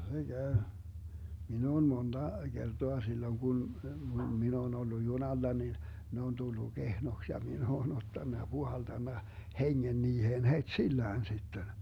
kyllä se käy minä olen monta kertaa silloin kun minä olen ollut junalla niin ne on tullut kehnoksi ja minä olen ottanut ja puhaltanut hengen niihin heti sillään sitten